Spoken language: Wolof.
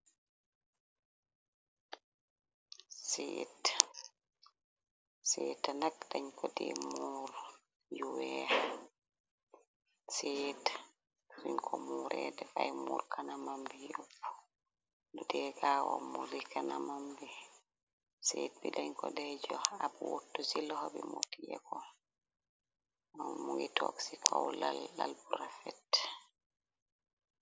Shate, shate nag dañj ko deh muur yu weex shate fuñj ko muuree defay muur kana mam bi yep dudeegaawa muri kana mam bi shate bi dañj ko deeju ab wurtu ci loho bi mutiyeko mu ngi tork ci kow lal bu rafet.